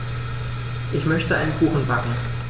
Ich möchte einen Kuchen backen.